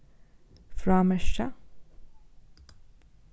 frámerkja